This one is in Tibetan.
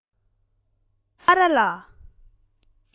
སྨ ར ཅན གྱི སྨ ར ལ